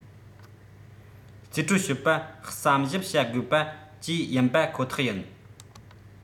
རྩིས སྤྲོད བྱས པ བསམ ཞིབ བྱ དགོས པ བཅས ཡིན པ ཁོ ཐག ཡིན